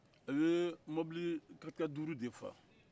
a ye mɔbili kati-kati duuru de fa